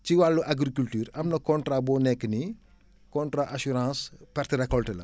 ci wàllu agriculture am na contrat bu nekk nii contrat assurance perte récolte la